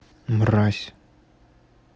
мразь